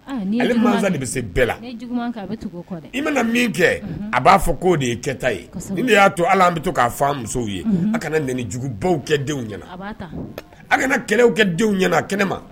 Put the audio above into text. Ale masa de bɛ se bɛɛ la i mana min kɛ a b'a fɔ ko de ye kɛta ye ni y'a to ala an bɛ to' fa musow ye a kana njugubaw kɛ denw ɲɛna a kana kɛlɛ kɛ denw ɲɛna kɛnɛ ma